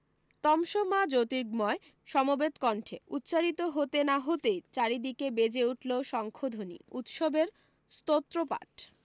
তমসো মা জোতীর্গময় সমবেত কণ্ঠে উচ্চারিত হতে না হতেই চারিদিকে বেজে উঠল শঙ্খধ্বনি উৎসবের স্তোত্রপাঠ